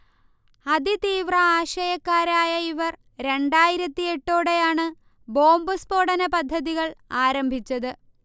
അതി തീവ്ര ആശയക്കാരായ ഇവർ രണ്ടായിരത്തി എട്ടോടെയാണ് ബോംബ് സ്ഫോടനപദ്ധതികൾ ആരംഭിച്ചത്